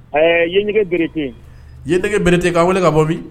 Ɛɛ ye nɛgɛ berete ye nɛgɛge bereerete ka wele ka bɔ bi